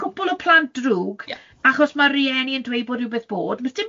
...cwpl o plant drwg... Ie ...achos ma'r rhieni yn dweud bod rhywbeth bod.